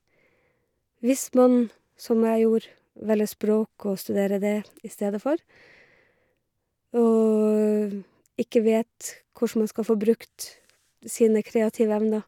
Hvis man, som jeg gjorde, velger språk og studerer dét i stedet for, og ikke vet kossen man skal få brukt sine kreative evner.